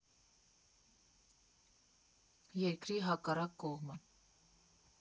«Երկրի հակառակ կողմը»